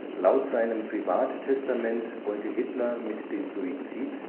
Laut seinem Privattestament wollte Hitler mit dem Suizid